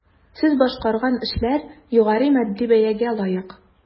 Сез башкарган эшләр югары матди бәягә лаек.